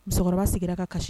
Musokɔrɔba seginna ka kasi